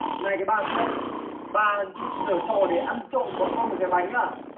này cái bà kia bà định giở trò để ăn trộm của bọn tôi một cái bánh à